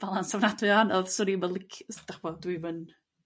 falans ofnadwy o anodd. Swn i'm yn lici- s-... 'Dych ch'mod dwi'm yn.